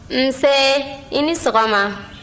nse i ni sɔgɔma